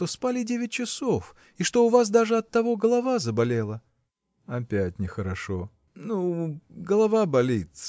что спали девять часов и что у вас даже оттого голова заболела?. Опять нехорошо. – Ну, голова болит.